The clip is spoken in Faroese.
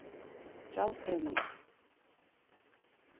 gjald pening